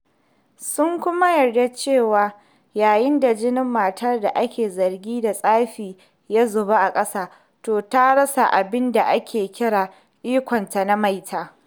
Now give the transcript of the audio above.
Sun kuma yarda cewa yayin da jinin matar da ake zargi da tsafi ya zuba a ƙasa, to ta rasa abinda ake kira ikonta na maita.